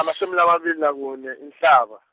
amashumi lamabili nakune, Inhlaba.